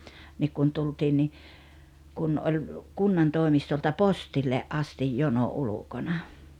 niin kun tultiin niin kun oli kunnantoimistolta postille asti jono ulkona